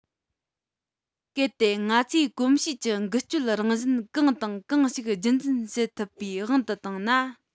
གལ ཏེ ང ཚོས གོམས གཤིས ཀྱི འགུལ སྐྱོད རང བཞིན གང དང གང ཞིག རྒྱུད འཛིན བྱེད ཐུབ པའི དབང དུ བཏང ན